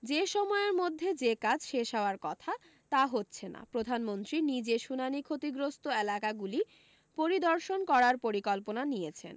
যে সময়ের মধ্যে যে কাজ শেষ হওয়ার কথা তা হচ্ছে না তাই প্রধানমন্ত্রী নিজে সুনামি ক্ষতিগ্রস্ত এলাকাগুলি পরিদর্শন করার পরিকল্পনা নিয়েছেন